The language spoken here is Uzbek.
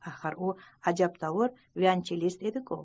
axir u ajabtovur violonchelist edi ku